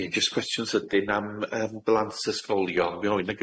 Ie jyst cwestiwn sydyn am yym blant ysgolion fe oe' 'na